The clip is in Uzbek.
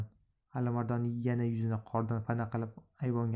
alimardon yana yuzini qordan pana qilib